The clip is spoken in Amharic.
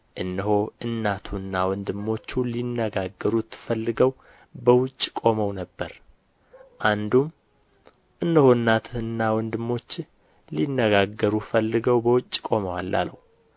እነሆ እናቱና ወንድሞቹ ሊነጋገሩት ፈልገው በውጭ ቆመው ነበር አንዱም እነሆ እናትህና ወንድሞችህ ሊነጋገሩህ ፈልገው በውጭ ቆመዋል አለው